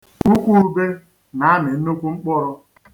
Ukwu ube na-amị nnukwu mkpụrụ.